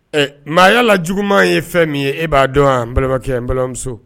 Ɛ maa y yalala juguman ye fɛn min ye e b'a dɔn an balimakɛ n balimamuso